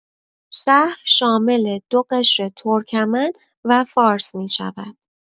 شهر شامل دو قشر ترکمن و فارس می‌شود.